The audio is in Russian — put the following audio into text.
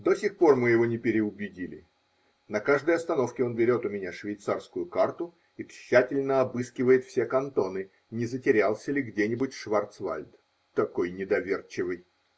До сих пор мы его не переубедили: на каждой остановке он берет у меня швейцарскую карту и тщательно обыскивает все кантоны, не затерялся ли где-нибудь Шварцвальд . Такой недоверчивый.